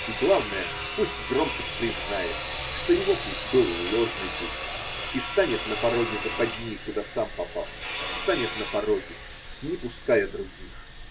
И главное, пусть громко признает, что его путь был ложный путь, и станет на пороге западни, куда сам попал, – станет на пороге, не пуская других.